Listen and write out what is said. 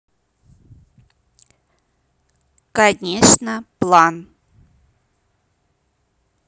конечно план